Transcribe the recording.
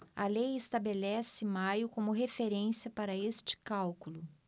a lei estabelece maio como referência para este cálculo